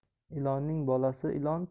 ilonning bolasi ilon